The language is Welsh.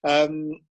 Yym.